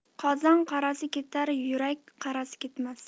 qozon qorasi ketar yurak qorasi ketmas